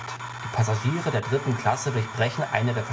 Passagiere der dritten Klasse durchbrechen eine